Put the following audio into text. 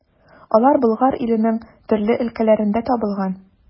Алар Болгар иленең төрле өлкәләрендә табылган.